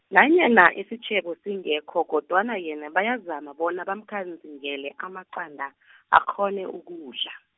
nanyana isitjhebo singekho kodwana yena bayazama bona bamkhanzingele amaqanda , akghone ukudla.